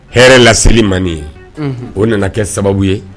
Hɛrɛ laseli man ye o nana kɛ sababu ye